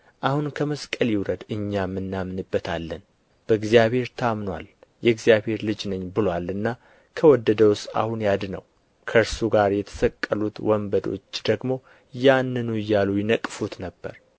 አሁን ከመስቀል ይውረድ እኛም እናምንበታለን በእግዚአብሔር ታምኖአል የእግዚአብሔር ልጅ ነኝ ብሎአልና ከወደደውስ አሁን ያድነው ከእርሱ ጋር የተሰቀሉት ወንበዶች ደግሞ ያንኑ እያሉ ይነቅፉት ነበር